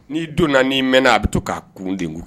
N' donna nan' mɛnna a bɛ to k'a kun de